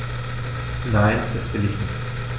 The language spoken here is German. Nein, das will ich nicht.